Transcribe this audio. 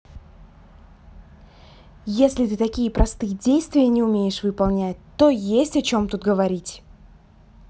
если ты такие простые действия не умеешь выполнять то есть о чем тут говоришь